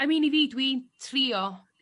I mean i fi dwi'n trio